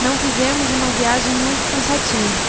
não fizemos uma viagem muito cansativa